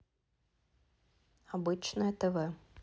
обычное тв